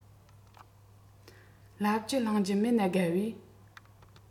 ལབ རྒྱུ གླེང རྒྱུ མེད ན དགའ བས